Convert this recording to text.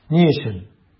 Ни өчен?